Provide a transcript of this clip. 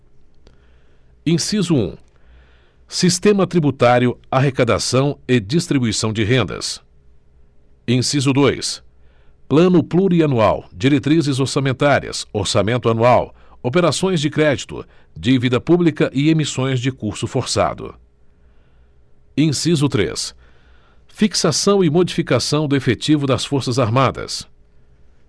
inciso um sistema tributário arrecadação e distribuição de rendas inciso dois plano plurianual diretrizes orçamentárias orçamento anual operações de crédito dívida pública e emissões de curso forçado inciso três fixação e modificação do efetivo das forças armadas